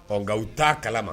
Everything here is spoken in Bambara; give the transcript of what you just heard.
Ɔ nka u ta' kala ma